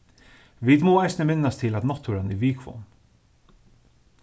vit mugu eisini minnast til at náttúran er viðkvom